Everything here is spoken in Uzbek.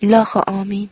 ilohi omi in